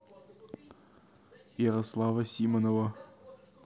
ярослава симонова